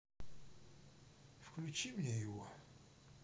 включи мне его